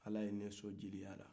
ala ye ne sɔn jeliya la